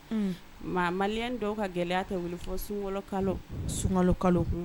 Mama dɔw ka gɛlɛya tɛ wele fɔ sun sunka kalo